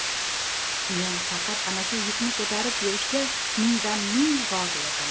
men faqat ana shu yukni ko'tarib yurishga mingdan ming rozi edim